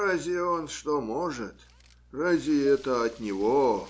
- Разве он что может? Разве это от него?